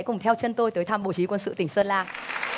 cùng theo chân tôi tới thăm bộ chỉ huy quân sự tỉnh sơn la